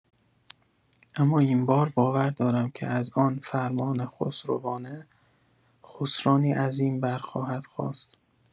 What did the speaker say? اما این بار باور دارم که از آن فرمان خسروانه، خسرانی عظیم بر خواهد خاست.